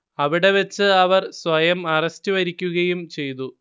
അവിടെ വച്ച് അവർ സ്വയം അറസ്റ്റ് വരിക്കുകയും ചെയ്തു